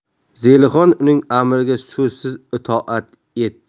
zelixon uning amriga so'zsiz itoat etdi